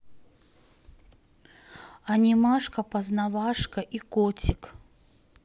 анимашка познавашка и котик